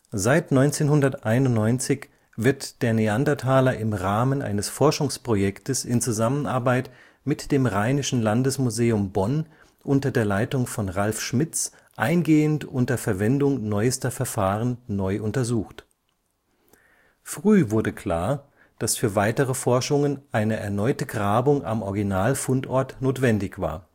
Seit 1991 wird der Neandertaler im Rahmen eines Forschungsprojektes in Zusammenarbeit mit dem Rheinischen Landesmuseum Bonn unter der Leitung von Ralf W. Schmitz eingehend unter Verwendung neuester Verfahren neu untersucht. Früh wurde klar, dass für weitere Forschungen eine erneute Grabung am Originalfundort notwendig war